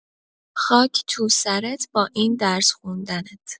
خاک تو سرت با این درس خوندنت